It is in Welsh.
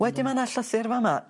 Wedyn ma' 'na llythyr fa' 'ma